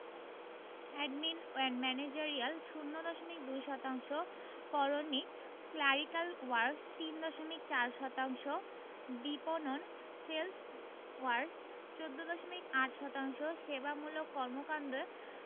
admin and managerial ০ দশমিক ২ শতাংশ করণিক ক্ল্যারিক্যাল ওয়ার্ক্স ৩ দশমিক ৪ শতাংশ বিপণন সেলস ওয়ার্ক্স ১৪দশমিক ৮ শতাংশ সেবামূলক কর্মকান্ড